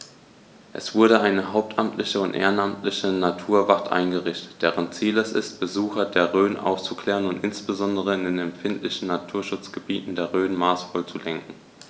Es wurde eine hauptamtliche und ehrenamtliche Naturwacht eingerichtet, deren Ziel es ist, Besucher der Rhön aufzuklären und insbesondere in den empfindlichen Naturschutzgebieten der Rhön maßvoll zu lenken.